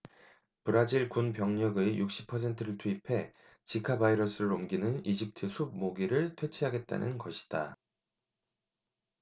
브라질 군 병력의 육십 퍼센트를 투입해 지카 바이러스를 옮기는 이집트 숲 모기를 퇴치하겠다는 것이다